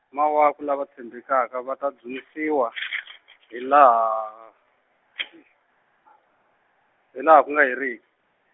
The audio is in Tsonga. mawaku lava tshembekeke va ta dzunisiwa , hilaha, hilaha ku nga heriki.